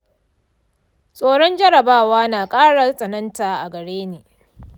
tsoron jarabawa na ƙara tsananta a gare ni.